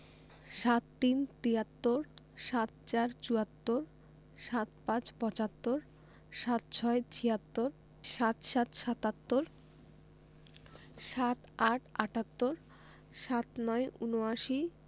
৭৩ – তিয়াত্তর ৭৪ – চুয়াত্তর ৭৫ – পঁচাত্তর ৭৬ - ছিয়াত্তর ৭৭ – সাত্তর ৭৮ – আটাত্তর ৭৯ – উনআশি